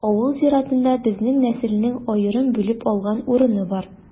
Авыл зиратында безнең нәселнең аерым бүлеп алган урыны бар.